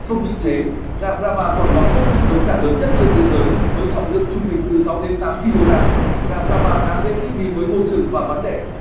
không những thế gà brahma còn lọt top những giống gà lớn nhất trên thế giới với trọng lượng trung bình từ kg gà brahma khá dễ thích nghi với môi trường và mắn đẻ